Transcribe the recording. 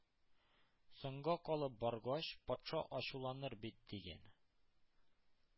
Соңга калып баргач, патша ачуланыр бит! — дигән.